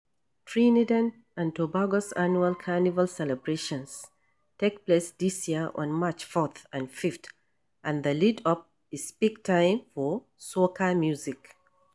Trinidad and Tobago's annual Carnival celebrations take place this year on March 4 and 5, and the lead up is peak time for soca music.